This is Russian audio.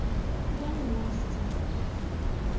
я не настя